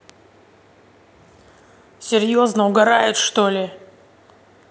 серьезно угорают что ли